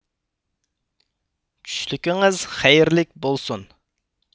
چۈشلۈكىڭىز خەيرىلىك بولسۇن